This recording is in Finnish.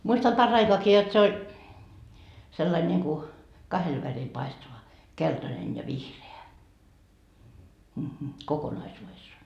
muistan paraikaakin jotta se oli sillä lailla niin kuin kahdella värillä paistava keltainen ja vihreä kokonaisuudessaan